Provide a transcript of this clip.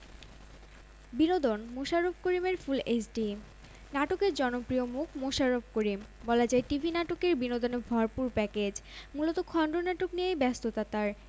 বিনোদন মোশাররফ করিমের full HD নাটকের জনপ্রিয় মুখ মোশাররফ করিম বলা যায় টিভি নাটকে বিনোদনে ভরপুর প্যাকেজ মূলত খণ্ডনাটক নিয়েই ব্যস্ততা তার